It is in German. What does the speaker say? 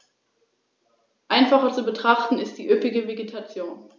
Stattdessen wurden die Informationstafeln um Verhaltensempfehlungen im Falle einer Begegnung mit dem Bären ergänzt.